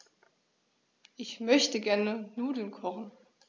Ich möchte gerne Nudeln kochen.